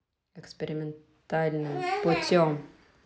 экспериментальным путем